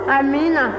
amiina